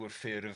yw'r ffurf